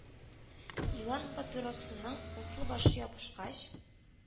Юан папиросның утлы башы ябышкач,